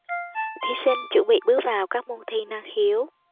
thí sinh chuẩn bị bước vào các môn thi năng khiếu